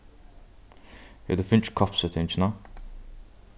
hevur tú fingið koppsetingina